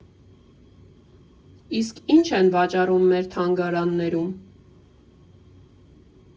Իսկ ի՞նչ են վաճառում մեր թանգարաններում։